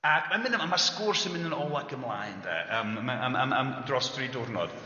Ac ma'n mynd ym- a ma' sgwrs yn mynd yn ôl ac ymlaen de yym ma' am am am dros tri diwrnod